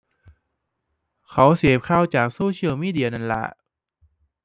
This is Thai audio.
เขาเสพข่าวจาก social media นั่นล่ะ